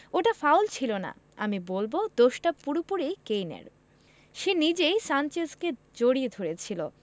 Maradona ওটা foul ছিল না আমি বলব দোষটা পুরোপুরি কেইনের সে নিজেই সানচেজকে জড়িয়ে ধরেছিল